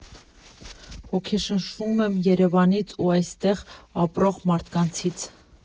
Ոգեշնչվում եմ Երևանից ու այստեղ ապրող մարդկանցից։